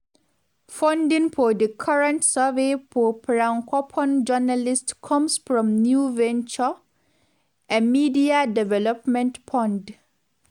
Funding for the current survey for francophone journalists comes from New Venture, a media development fund.